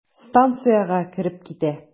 Станциягә кереп китә.